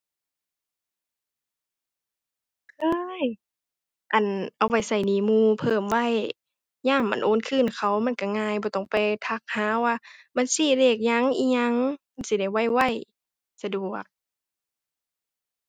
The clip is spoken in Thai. เคย อั่น เอาไว้ใช้หนี้หมู่เพิ่มไว้ ยาม อั่น โอนคืนเขามันใช้ง่าย บ่ต้องไปทักหาว่าบัญชีเลขหยัง อิหยัง มันสิได้ไวไว สะดวก